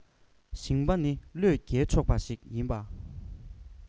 ཞིང པ ནི བློས འགེལ ཆོག པ ཞིག ཡིན པ